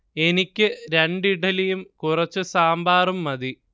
എനിക്ക് രണ്ട് ഇഡ്ഢലിയും കുറച്ച് സാമ്പാറും മതി